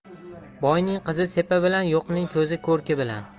boyning qizi sepi bilan yo'qning qizi ko'rki bilan